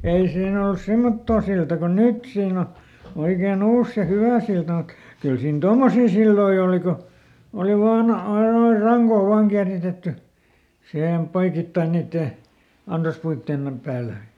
ei siinä ollut semmottoon siltaa kuin nyt siinä on oikein ollut se hyvä silta mutta kyllä siinä tuommoisia silloin oli kun oli vain aina noin rankaa vain kieritetty siihen poikittain niiden ansaspuiden päällä